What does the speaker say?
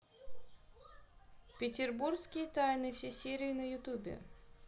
петербургские тайны все серии на ютубе